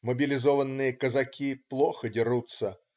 Мобилизованные казаки - плохо дерутся.